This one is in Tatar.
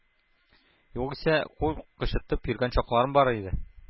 Югыйсә, кул кычытып йөргән чакларым бар иде.